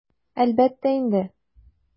Әлбәттә инде!